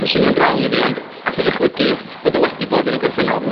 yn swnio'n rong i fi, ond allai ddychmygu bod o wedi bod yn gorffennol, dw'm yn